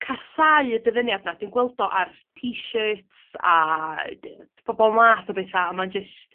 casáu y dyfyniad 'na dwi'n gweld o ar t-shirts a d- po' po' math o betha a ma'n jyst